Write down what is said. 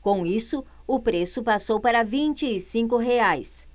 com isso o preço passou para vinte e cinco reais